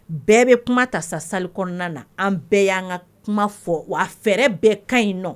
Bɛɛ bɛ kuma ta sa salle kɔnɔna na, an bɛɛ y'an ka kuma fɔ wa fɛɛrɛ bɛɛ ka ɲi nɔ.